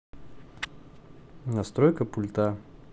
настройка пульта